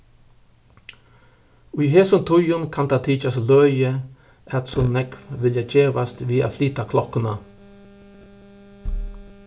í hesum tíðum kann tað tykjast løgið at so nógv vilja gevast við at flyta klokkuna